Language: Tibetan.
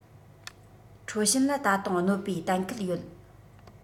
ཁྲའོ ཞན ལ ད དུང གནོད པའི གཏན འཁེལ ཡོད